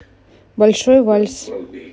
большой вальс